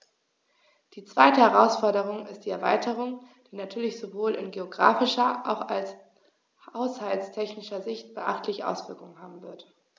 Die zweite Herausforderung ist die Erweiterung, die natürlich sowohl in geographischer als auch haushaltstechnischer Sicht beachtliche Auswirkungen haben wird.